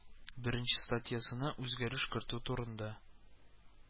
Беренче статьясына үзгәреш кертү турында